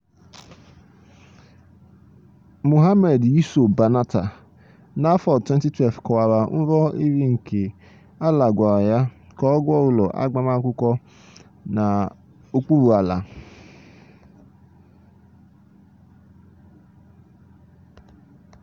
Mohammed Yiso Banatah n'afọ 2012 kọwara nrọ iri nke Allah gwara ya ka ọ gwuo ụlọ agbamakwụkwọ n'okpuru ala.